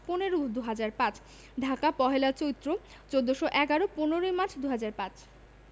১৫ ২০০৫ ঢাকা ১লা চৈত্র ১৪১১ ১৫ই মার্চ ২০০৫